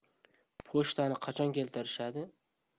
pochtani qachon keltirishadi